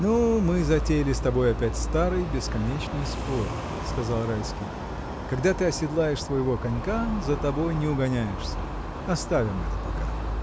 — Ну, мы затеяли с тобой опять старый, бесконечный спор, — сказал Райский, — когда ты оседлаешь своего конька, за тобой не угоняешься: оставим это пока.